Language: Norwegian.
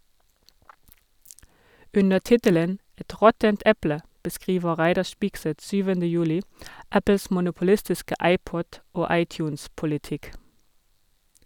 Under tittelen «Et råttent eple» beskriver Reidar Spigseth 7. juli Apples monopolistiske iPod- og iTunes-politikk.